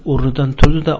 urnidan turdi da